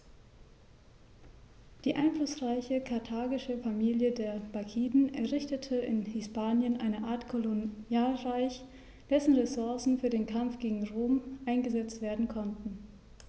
Die einflussreiche karthagische Familie der Barkiden errichtete in Hispanien eine Art Kolonialreich, dessen Ressourcen für den Kampf gegen Rom eingesetzt werden konnten.